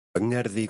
Yng ngerddi...